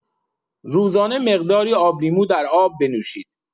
روزانه مقداری آبلیمو در آب بنوشید.